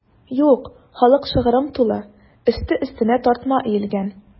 Юк, халык шыгрым тулы, өсте-өстенә тартма өелгән.